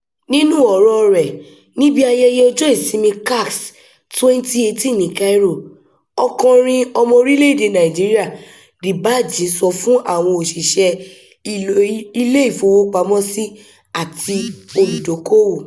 Nínú ọ̀rọ̀-ọ rẹ̀ níbi ayẹyẹ Ọjọ́ Ìsinmi CAX 2018 ní Cario, ọ̀kọrin ọmọ orílẹ̀-èdèe Nàìjíríà D'Banj sọ fún àwọn òṣìṣẹ́ Ilé-ìfowópamọ́sí àti olùdókoòwò: